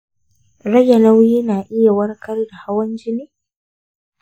rage nauyi na iya warkar da hawan jini?